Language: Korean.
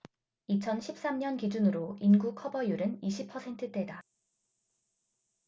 이천 십 삼 년 기준으로 인구 커버율은 이십 퍼센트대다